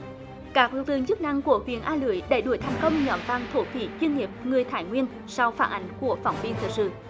các lực lượng chức năng của huyện a lưới đã đuổi thành công nhóm than thổ phỉ chuyên nghiệp người thái nguyên sau phản ánh của phóng viên thời sự